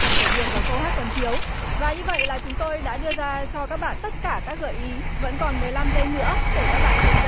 cần phải điền vào câu hát còn thiếu và như vậy là chúng tôi đã đưa ra cho các bạn tất cả các gợi ý vẫn còn mười lăm giây nữa để các bạn tìm ra